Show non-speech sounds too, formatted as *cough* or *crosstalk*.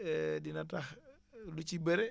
*hesitation* dina tax lu ci bëre